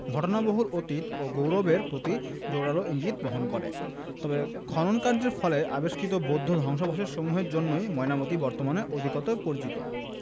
ঘটনাবহুল অতীত ও গৌরবের প্রতি জোরালো ইঙ্গিত বহন করে তবে খননকার্যের ফলে আবিষ্কৃত বৌদ্ধ ধ্বংসাবশেষসমূহের জন্যই ময়নামতী বর্তমানে অধিকতর পরিচিত